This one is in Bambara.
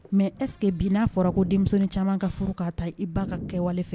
Mais est ce que bi n'a fɔra ko denmisɛnnin caman ka furu k'a ta i ba ka kɛwale fɛ